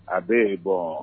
A bɛ yen bɔn